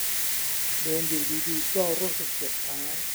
เดินอยู่ดีดีก็รู้สึกเจ็บเท้า